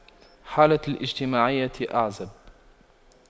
حالتي الاجتماعية أعزب